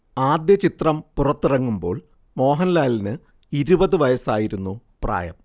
ആദ്യ ചിത്രം പുറത്തിറങ്ങുമ്പോൾ മോഹൻലാലിന് ഇരുപത് വയസ്സായിരുന്നു പ്രായം